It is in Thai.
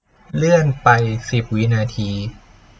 เลื่อนไปสิบวินาที